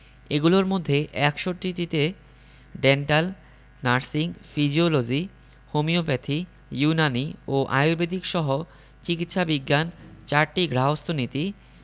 এগুলোর মধ্যে ৬১টিতে dental nursing physiology homeopathy Unani ও আর্য়ুবেদিকসহ চিকিৎসা বিজ্ঞান ৪টি গার্হস্থ্যনীতি